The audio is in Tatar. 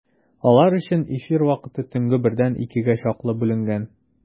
Алар өчен эфир вакыты төнге бердән икегә чаклы бүленгән.